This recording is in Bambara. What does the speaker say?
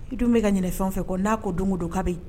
I dun bɛ ka ɲiniɛ fɛn o fɛn kɔ n'a ko don o don k'a be yen.